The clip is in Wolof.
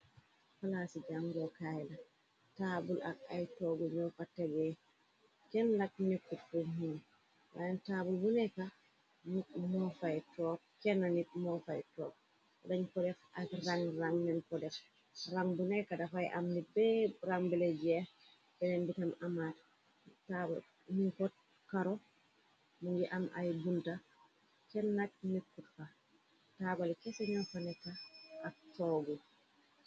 Xalaa ci jàngoo kaay la taabul ak ay toogu ñoo fategee kenn nak nikkut fu hun wanen taabul bkenn nit mofy tog rañ kodex ak rang rang nen ko dex rang bu nekka dafay am li bee ram belejeex beneen bitam amaat niñkot karo mu ngi am ay bulta ftaabali kese ñoo fa nekka ak toogu.